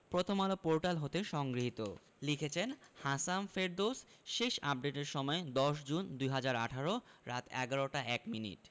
Prothom Alo portal হতে সংগৃহীত লিখেছেন হাসাম ফেরদৌস শেষ আপডেটের সময় ১০ জুন ২০১৮ রাত ১১টা ১ মিনিট